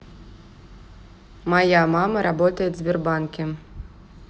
моя мама работает в сбербанке